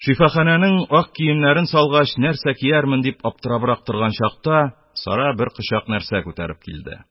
Шифаханәнең ак киемнәрен салгач, нәрсә киярмен, дип аптырабрак торган чакта, Сара бер кочак нәрсә күтәреп килде.